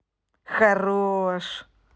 хорош